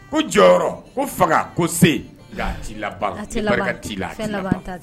Ko jɔyɔrɔ ko fanga ko se t t'i la